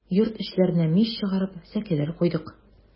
Йорт эчләренә мич чыгарып, сәкеләр куйдык.